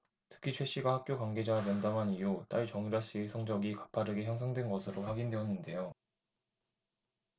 특히 최 씨가 학교 관계자와 면담한 이후 딸 정유라 씨의 성적이 가파르게 향상된 것으로 확인됐는데요